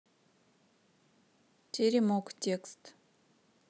теремок текст